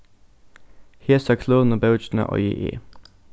hesa klønu bókina eigi eg